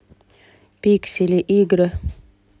пиксели игры